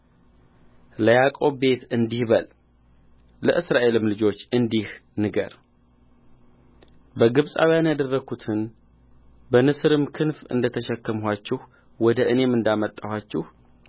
ለያዕቆብ ቤት እንዲህ በል ለእስራኤልም ልጆች እንዲህ ንገር በግብፃውያን ያደረግሁትን በንስርም ክንፍ እንደተሸከምኋችሁ ወደ እኔም እንዳመጣኋችሁ